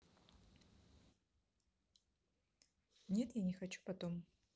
нет я не хочу потом